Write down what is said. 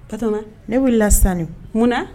Kat ne wulila la sani munna